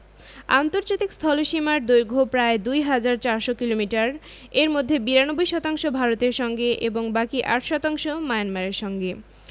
আন্তর্জাতিক স্থলসীমার দৈর্ঘ্য প্রায় ২হাজার ৪০০ কিলোমিটার এর মধ্যে ৯২ শতাংশ ভারতের সঙ্গে এবং বাকি ৮ শতাংশ মায়ানমারের সঙ্গে